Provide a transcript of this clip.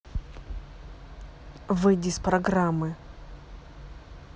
выйди из программы